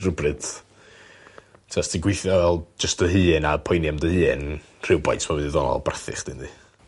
rhywbryd t'o' os ti gweithio fel jyst dy hun a poeni am dy hun rhywboint ma' myn' i ddo' nôl a brathu chdi yndi?